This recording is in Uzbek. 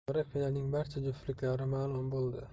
chorak finalning barcha juftliklari ma'lum bo'ldi